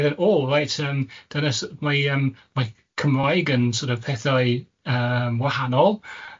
oh right yym, dyna s- mae yym mae Cymraeg yn sor' of pethau yym wahanol, yy